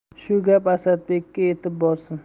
shu gap asadbekka yetib borsin